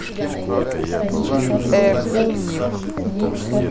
эх умник